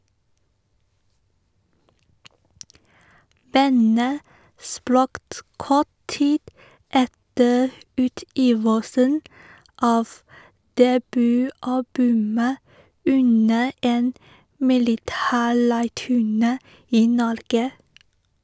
Bandet sprakk kort tid etter utgivelsen av debutalbumet, under en militærleirturné i Norge.